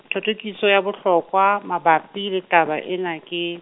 thothokiso ya bohlokwa, mabapi, le taba ena ke.